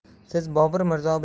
siz bobur mirzo